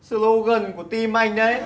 sờ lâu gừn của tim anh đấy